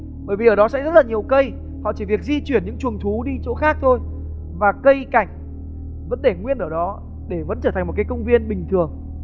bởi vì ở đó sẽ rất là nhiều cây họ chỉ việc di chuyển những chuồng thú đi chỗ khác thôi và cây cảnh vẫn để nguyên ở đó để vẫn trở thành một cái công viên bình thường